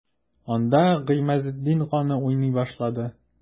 Анда Гыймазетдин каны уйный башлады.